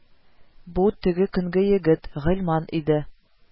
Бу – теге көнге егет – Гыйльман иде